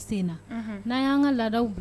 La